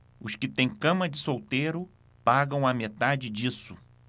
os que têm cama de solteiro pagam a metade disso